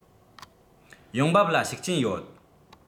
ཡོང འབབ ལ ཤུགས རྐྱེན ཡོད